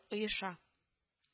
Оеша